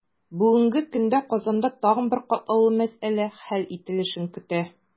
Бүгенге көндә Казанда тагын бер катлаулы мәсьәлә хәл ителешен көтә.